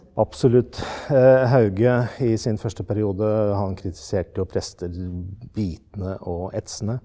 absolutt Hauge i sin første periode han kritiserte jo prester bitende og etsende.